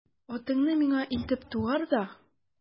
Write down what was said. Атыңны миңа илтеп тугар да...